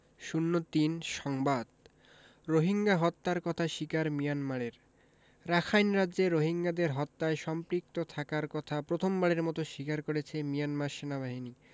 ০৩ সংবাদ রোহিঙ্গা হত্যার কথা স্বীকার মিয়ানমারের রাখাইন রাজ্যে রোহিঙ্গাদের হত্যায় সম্পৃক্ত থাকার কথা প্রথমবারের মতো স্বীকার করেছে মিয়ানমার সেনাবাহিনী